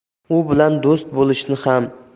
u bilan do'st bo'lishni ham